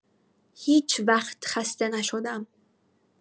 هیچ‌وقت خسته نشدم.